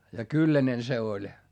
ja kylläinen se oli